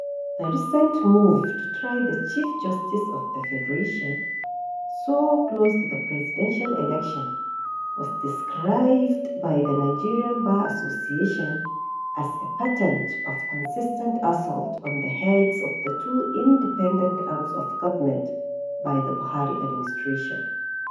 The recent move to try the Chief Justice of the Federation — so close to the presidential election — was described by the Nigerian Bar Association as "a pattern of consistent assault on the heads of the two independent arms of government" by the Buhari administration.